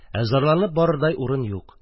Ә зарланып барырдай урын юк.